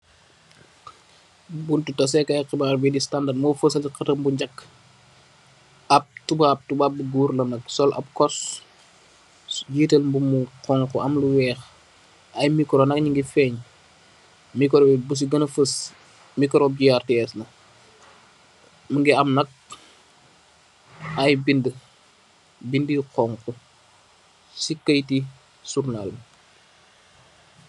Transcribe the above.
Buntu tasekay xibaar bi de Standard, mo fesal si xatem bu ngekk, ab tubaab, tubaab bu goor la nak, sol ab koss, gital mbub mu xonxu am lu weex, ay mikoro nak nyingi feej, mikoro yi bu si ngane fes, mokorom GRTS la, mungi am nak, ay binde, binde yu xonxu, si kayiti jurnal bi.